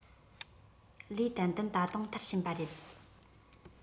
ལས ཏན ཏན ད དུང མཐར ཕྱིན པ རེད